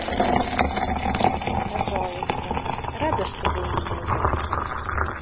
пожалуйста рада что вы у меня есть